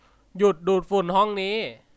หยุดดูดฝุ่นห้องนี้